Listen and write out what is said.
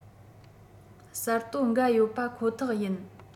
གསར གཏོད འགའ ཡོད པ ཁོ ཐག ཡིན